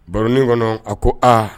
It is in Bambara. Baroin kɔnɔ a ko a